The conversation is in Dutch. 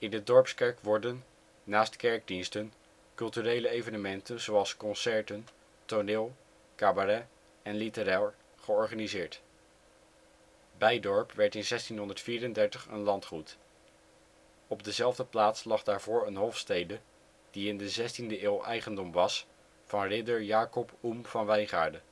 de Dorpskerk worden, naast kerkdiensten, culturele evenementen (concerten, toneel, cabaret, literair) georganiseerd. Kloosterkapel Bijdorp Bijdorp werd in 1634 een landgoed. Op dezelfde plaats lag daarvoor een hofstede die in de zestiende eeuw eigendom was van ridder Jacob Oem van Wijngaarden